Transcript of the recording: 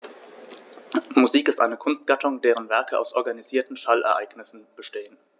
Musik ist eine Kunstgattung, deren Werke aus organisierten Schallereignissen bestehen.